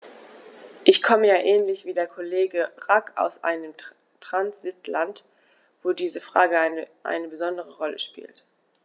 Ich komme ja ähnlich wie der Kollege Rack aus einem Transitland, wo diese Frage eine besondere Rolle spielt.